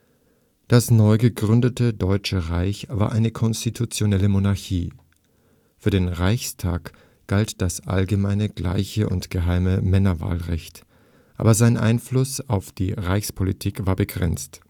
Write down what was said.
Das neu gegründete Deutsche Reich war eine konstitutionelle Monarchie. Für den Reichstag galt das allgemeine, gleiche und geheime Männerwahlrecht, aber sein Einfluss auf die Reichspolitik war begrenzt